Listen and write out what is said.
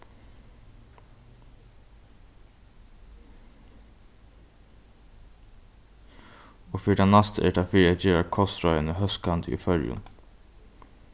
og fyri tað næsta er tað fyri at gera kostráðini hóskandi í føroyum